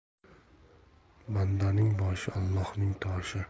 bandaning boshi olloning toshi